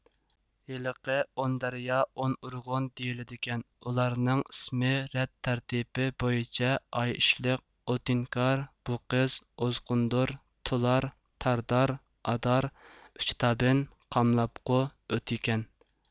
ھېلىقى ئون دەريا ئون ئۇرغۇن دېيىلىدىكەن ئۇلارنىڭ ئىسمى رەت تەرتىپى بويىچە ئايئىشلىق ئوتىنكار بۇقىز ئوزقوندۇر تۇلار تاردار ئادار ئۈچ تابىن قاملابقۇ ئۆتىكەن